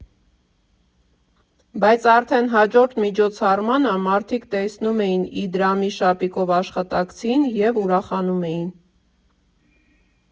Բայց արդեն հաջորդ միջոցառմանը մարդիկ տեսնում էին Իդրամի շապիկով աշխատակցին և ուրախանում էին։